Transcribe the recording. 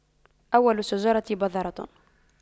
أول الشجرة بذرة